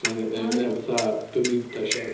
Ne- ne- neu fatha Bermuda siorts.